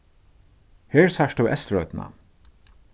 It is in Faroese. her sært tú eysturoynna